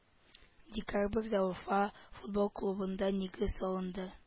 Декабрьдә уфа футбол клубында нигез салынды